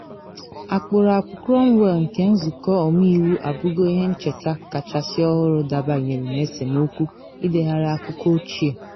Akpụrụakpụ Cromwell nke nzụkọ omeiwu abụgo ihe ncheta kachasị ọhụrụ dabanyere n’esemokwu ‘ịdegharị akụkọ ochie’.